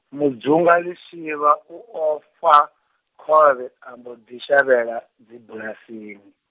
Mudzunga Lishivha u ofha, khovhe a mbo ḓi shavhela, dzibulasini.